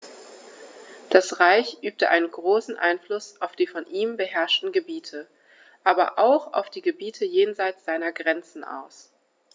Das Reich übte einen großen Einfluss auf die von ihm beherrschten Gebiete, aber auch auf die Gebiete jenseits seiner Grenzen aus.